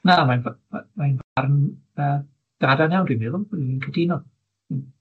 Na, mae'n f- fy- mae'n farn yy gadarn iawn dwi'n meddwl, dwi'n cytuno.